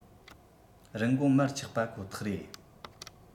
རིན གོང མར ཆག པ པ ཁོ ཐག རེད